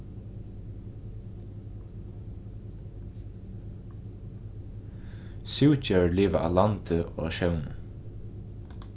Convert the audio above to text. súgdjór liva á landi og á sjónum